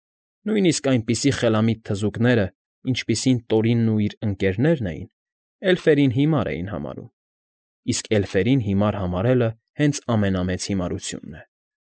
Նույնիսկ այնպիսի խելամիտ թզուկները, ինչպիսին Տորինն ու իր ընկերներն էին, Էլֆերին հիմար էին համարում (իսկ էլֆերին հիմար համարելը հենց ամենամեծ հիմարությունն է)։